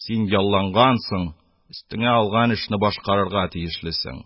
Син яллангансың, өстеңә алган эшне башкарырга тиешлесең.